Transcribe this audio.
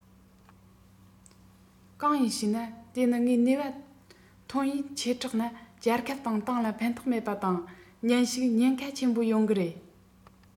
གང ཡིན ཞེ ན དེ ནི ངས ནུས པ ཐོན ཡས ཆེ དྲགས ན རྒྱལ ཁབ དང ཏང ལ ཕན ཐོགས མེད པ དང ཉིན ཞིག ཉེན ཁ ཆེན པོ ཡོང གི རེད